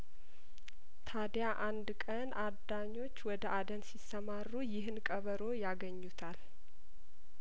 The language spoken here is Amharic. ታዲ ያአንድ ቀን አዳኞች ወደ አደን ሲሰማሩ ይህን ቀበሮ ያገኙታል